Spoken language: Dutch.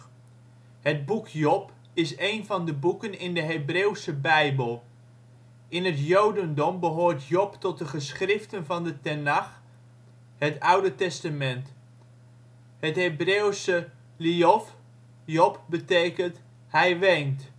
Het boek Job (Hebreeuws: איוב) is een van de boeken in de Hebreeuwse Bijbel. In het jodendom behoort Job tot de Geschriften van de Tenach (het Oude Testament). Het Hebreeuwse Iyov (Job) betekent: " Hij die weent